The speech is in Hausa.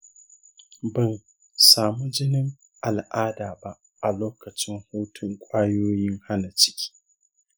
ban samu jinin al'ada ba a lokacin hutun kwayoyin hana ciki.